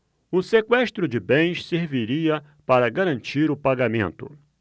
o sequestro de bens serviria para garantir o pagamento